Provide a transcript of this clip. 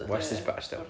West is best iawn.